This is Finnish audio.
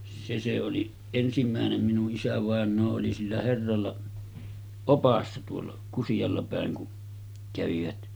se se oli ensimmäinen minun isävainaa oli sillä herralla oppaana tuolla Kusialla päin kun kävivät